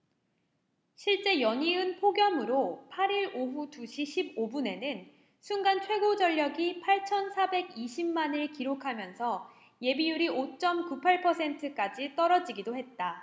실제 연이은 폭염으로 팔 일 오후 두 시 십 오 분에는 순간 최고전력이 팔천 사백 이십 만 를 기록하면서 예비율이 오 쩜 구 팔 퍼센트까지 떨어지기도 했다